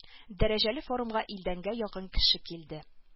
Дәрәҗәле форумга илдән гә якын кеше килде